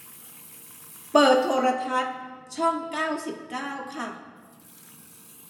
เปิดโทรทัศน์ช่องเก้าสิบเก้าค่ะ